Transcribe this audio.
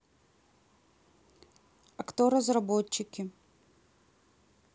а кто разработчики